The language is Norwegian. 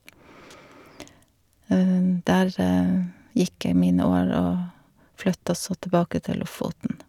Der gikk jeg mine år og flytta så tilbake til Lofoten.